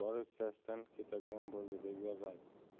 borussiya sidan ketadigan bo'ldi deb yozadi